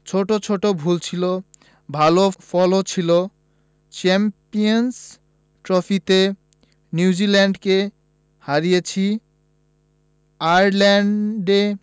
ছোট ছোট ভুল ছিল ভালো ফলও ছিল চ্যাম্পিয়নস ট্রফিতে নিউজিল্যান্ডকে হারিয়েছি আয়ারল্যান্ডে